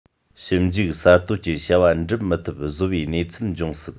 ཞིབ འཇུག གསར གཏོད ཀྱི བྱ བ འགྲུབ མི ཐུབ བཟོ བའི གནས ཚུལ འབྱུང སྲིད